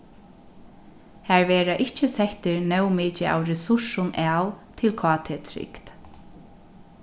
har verða ikki settir nóg mikið av resursum av til kt-trygd